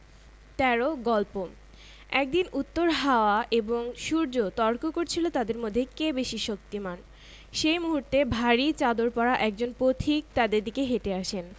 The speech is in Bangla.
১৩ গল্প একদিন উত্তর হাওয়া এবং সূর্য তর্ক করছিল তাদের মধ্যে কে বেশি শক্তিমান সেই মুহূর্তে ভারি চাদর পরা একজন পথিক তাদের দিকে হেটে আসেন